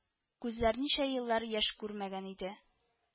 Күзләр ничә еллар яшь күрмәгән иде